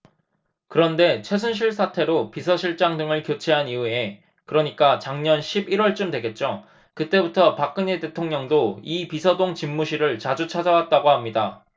그런데 최순실 사태로 비서실장 등을 교체한 이후에 그러니까 작년 십 일 월쯤 되겠죠 그때부터 박근혜 대통령도 이 비서동 집무실을 자주 찾아왔다고 합니다